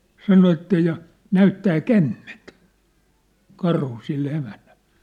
sanoi että ja näyttää kämmentä karhu sille emännälle